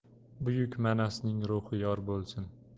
buyuk manasning ruhi yor bo'lsin